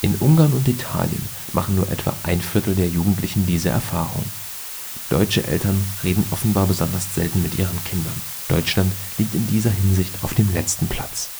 In Ungarn und Italien machen nur etwa ein Viertel der Jugendlichen diese Erfahrung. Deutsche Eltern reden offenbar besonders selten mit ihren Kindern - Deutschland liegt in dieser Hinsicht auf dem letzten Platz